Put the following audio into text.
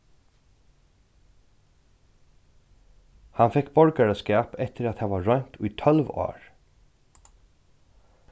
hann fekk borgaraskap eftir at hava roynt í tólv ár